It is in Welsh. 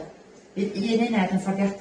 fydd un uned yn fforddiadwy,